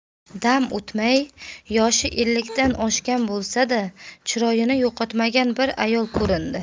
dam o'tmay yoshi ellikdan oshgan bo'lsa da chiroyini yo'qotmagan bir ayol ko'rindi